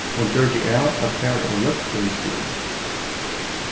hon gjørdi av at fara á løgfrøðiskúla